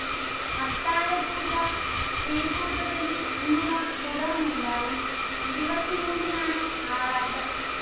അത്താഴപൂജ, ശ്രീഭൂതബലി എന്നിവ തുടർന്നുണ്ടാകും ഇരുപത്തിമൂന്ന്-നാണ് ആറാട്ട്